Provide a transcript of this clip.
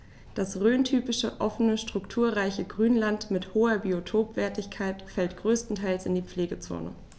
Das rhöntypische offene, strukturreiche Grünland mit hoher Biotopwertigkeit fällt größtenteils in die Pflegezone.